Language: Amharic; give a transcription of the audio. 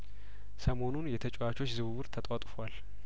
ሰሞኑን የተጨዋቾች ዝውውር ተጧጡፏል